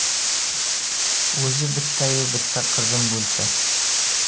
o'zi bittayu bitta qizim bo'lsa